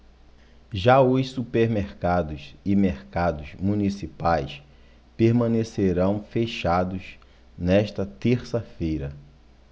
já os supermercados e mercados municipais permanecerão fechados nesta terça-feira